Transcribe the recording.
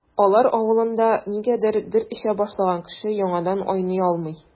Алар авылында, нигәдер, бер эчә башлаган кеше яңадан айный алмый.